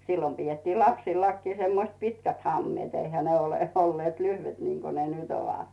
silloin pidettiin lapsillakin semmoiset pitkät hameet eihän ne ole olleet lyhyet niin kuin ne nyt ovat